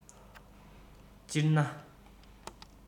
སྤྱིར ན